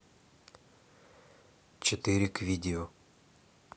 четыре к видео